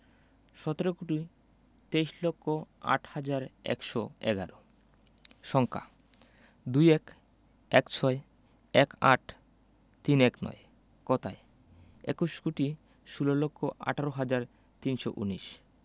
সতেরো কোটি তেইশ লক্ষ আট হাজার একশো এগারো সংখ্যাঃ ২১ ১৬ ১৮ ৩১৯ কথায়ঃ একুশ কোটি ষোল লক্ষ আঠারো হাজার তিনশো উনিশ